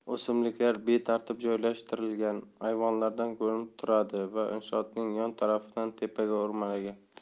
o'simliklar betartib joylashtirilgan ayvonlardan ko'rinib turadi va inshootning yon tarafidan tepaga o'rmalagan